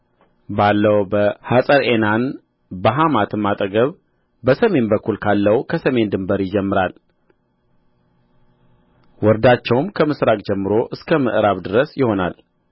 ባለው በሐጸርዔናን በሐማትም አጠገብ በሰሜን በኩል ካለው ከሰሜን ድንበር ይጀምራል ወርዳቸውም ከምሥራቅ ጀምሮ እስከ ምዕራብ ድረስ ይሆናል